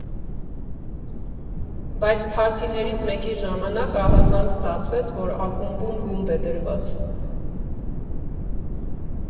Բայց, փարթիներից մեկի ժամանակ ահազանգ ստացվեց, որ ակումբում ռումբ է դրված։